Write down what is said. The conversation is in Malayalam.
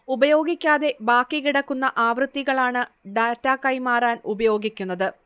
ഉപയോഗിക്കാതെ ബാക്കി കിടക്കുന്ന ആവൃത്തികളാണ് ഡാറ്റാ കൈമാറാൻ ഉപയോഗിക്കുന്നത്